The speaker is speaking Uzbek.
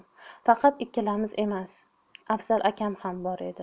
faqat ikkalamiz emas afzalxon akam ham bor edi